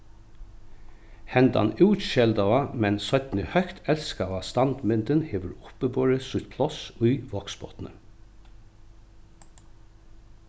hendan útskeldaða men seinni høgt elskaða standmyndin hevur uppiborið sítt pláss í vágsbotni